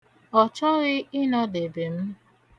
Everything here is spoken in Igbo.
Ọ chọghị ịnọdebe m.